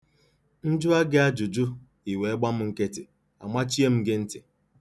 M jụọ gị ajụjụ i wee gba m nkịtị, amachie m gị ntị.